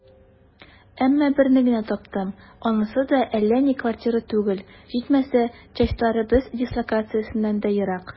Әмма берне генә таптым, анысы да әллә ни квартира түгел, җитмәсә, частьләребез дислокациясеннән дә ерак.